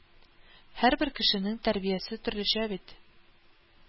Һәрбер кешенең тәрбиясе төрлечә бит